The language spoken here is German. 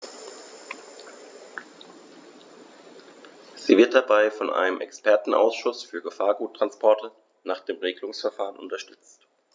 Sie wird dabei von einem Expertenausschuß für Gefahrguttransporte nach dem Regelungsverfahren unterstützt.